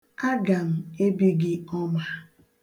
Aga m ebi gị ọma.